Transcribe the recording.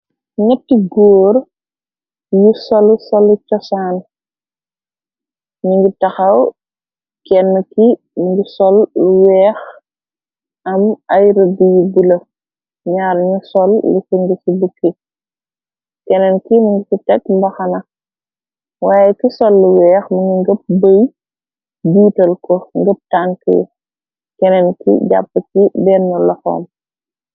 Netti góor yu sol-solu cosaan, ni ngi taxaw, kenn ki mingi sol lu weex, am ay rëbi bula, naar ñu sol lu fi ngi ci bukki, kennen ki ningi fi teg mbaxana, waye ki sol lu weex mëngi ngëb bëy biital ko, ngëp tank kenen ki jàpp ci denn loxoom.